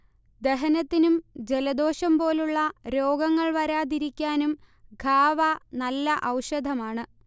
ദഹനത്തിനും ജലദോഷം പോലുള്ള രോഗങ്ങൾ വരാതിരിക്കാനും ഖാവ നല്ല ഔഷധമാണ്